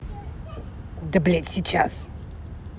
да блядь сейчас